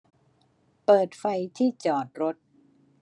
เปิดไฟที่จอดรถ